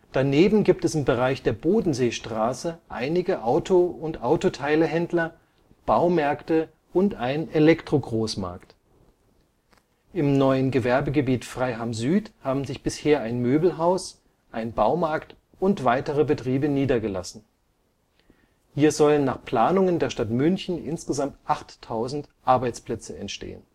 Daneben gibt es im Bereich der Bodenseestraße einige Auto - und Autoteilehändler, Baumärkte (Toom Baumarkt, Praktiker) und einen Elektrogroßmarkt (Media Markt). Im neuen Gewerbegebiet Freiham Süd haben sich bisher ein Möbelhaus (Höffner), ein Baumarkt (Hornbach) und weitere Betriebe niedergelassen. Hier sollen nach Planungen der Stadt München insgesamt 8000 Arbeitsplätze entstehen